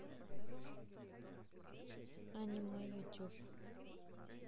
аниме ютуб